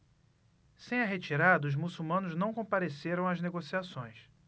sem a retirada os muçulmanos não compareceram às negociações